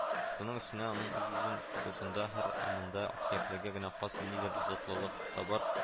Шуның өстенә, аның үз-үзен тотышында, һәр ымында аксөякләргә генә хас ниндидер затлылык та бар